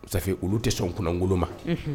Masa olu tɛ sɔn kunkolon ma